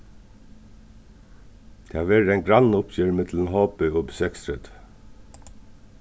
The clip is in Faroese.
tað verður ein grannauppgerð millum hb og b36